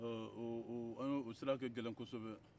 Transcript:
o sira ka gɛlɛn kɔsɛbɛ